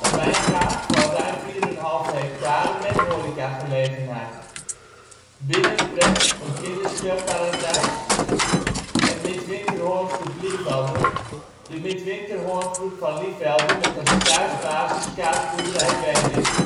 wijngaard (ruim 4,5 ha) met horecagelegenheid. BinnenPret; kinderspeelparadijs. Midwinterhoorngroep Lievelde; de Midwinterhoorn groep van Lievelde, met als thuisbasis Kaasboerderij Weenink